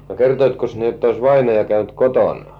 no kertoikos ne että olisi vainaja käynyt kotonaan